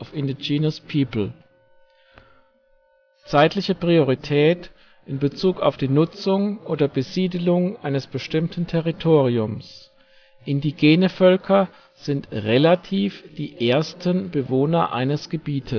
indigenous people "]): Zeitliche Priorität in Bezug auf die Nutzung oder Besiedlung eines bestimmten Territoriums: Indigene Völker sind relativ die " ersten " Bewohner eines Gebiets